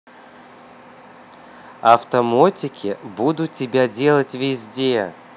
автомотики буду тебя делать везде